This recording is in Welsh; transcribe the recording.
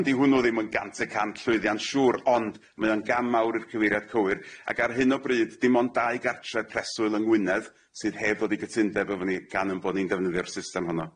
Ond 'di hwnnw ddim yn gant y cant llwyddiant shŵr ond mae o'n gam mawr i'r cyfeiriad cywir ac ar hyn o bryd dim ond dau gartre preswyl yng Ngwynedd sydd heb ddod i cytundeb efo ni gan ein bo' ni'n defnyddio'r system honno.